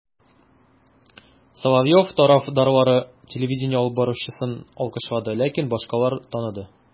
Соловьев тарафдарлары телевидение алып баручысын алкышлады, ләкин башкалар таныды: